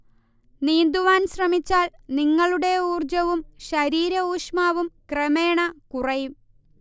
നീന്തുവാൻ ശ്രമിച്ചാൽ നിങ്ങളുടെ ഊർജവും ശരീര ഊഷ്മാവും ക്രമേണ കുറയും